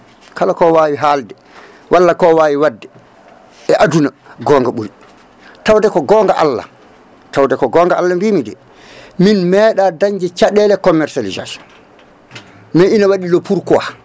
kala ko wawi haalde walla ko wawi wadde e aduna gonga ɓuuri tawde ko gonga Allah tawde ko gonga Allah mbimi de min meeɗa dañde caɗele commercialisation mais ina waɗi le pourquoi